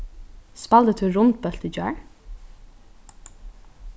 spældi tú rundbólt í gjár